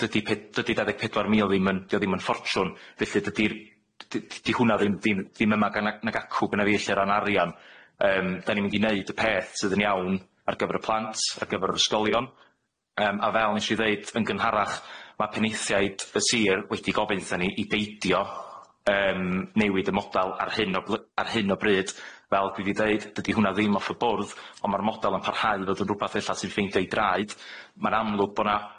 dydi pe- dydi dau ddeg pedwar mil ddim yn dydi o ddim yn ffortiwn felly dydi'r dy- 'di hwnna ddim ddim ddim yma gan a- nag acw gynna fi lle o ran arian, yym 'dan ni'n mynd i neud y peth sydd yn iawn ar gyfer y plant, ar gyfer yr ysgolion, yym a fel nesh i ddeud yn gynharach ma' Penaethiaid y Sir wedi gofyn 'tha ni i beidio yym newid y model ar hyn o bly- ar hyn o bryd fel dwi 'di deud, dydi hwnna ddim off y bwrdd on' ma'r model yn parhau i fod yn rwbath ella sy'n ffeindio 'i draed, ma'n amlwg bo' 'na,